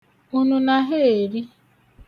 Ụnụ naha eri?